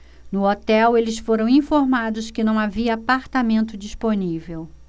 no hotel eles foram informados que não havia apartamento disponível